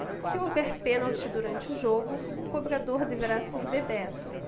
se houver pênalti durante o jogo o cobrador deverá ser bebeto